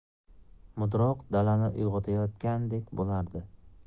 mudroq dalani uyg'otayotgandek bo'lardi